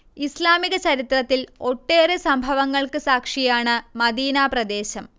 ഇസ്ലാമിക ചരിത്രത്തിൽ ഒട്ടേറെ സംഭവങ്ങൾക്ക് സാക്ഷിയാണ് മദീന പ്രദേശം